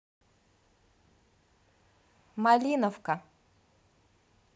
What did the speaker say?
малиновка